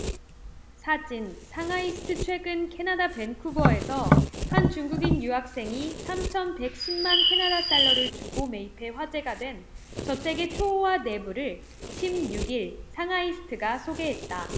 사진 상하이스트최근 캐나다 밴쿠버에서 한 중국인 유학생이 삼천 백 십 만 캐나다 달러를 주고 매입해 화제가 된 저택의 초호화 내부를 십 육 일 상하이스트가 소개했다